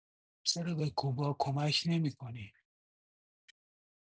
چرا به کوبا کمک نمی‌کنیم؟